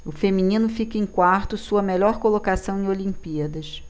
o feminino fica em quarto sua melhor colocação em olimpíadas